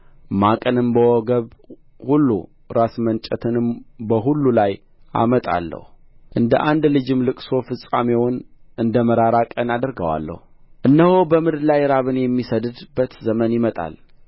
ማቅንም በወገብ ሁሉ ራስ መንጨትንም በሁሉ ላይ አመጣለሁ እንደ አንድያ ልጅም ልቅሶ ፍጻሜውንም እንደ መራራ ቀን አደርገዋለሁ እነሆ በምድር ላይ ራብን የምሰድድበት ዘመን ይመጣል